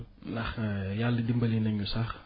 ndax Yàlla dimbali nañu sax